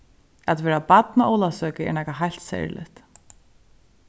at vera barn á ólavsøku er nakað heilt serligt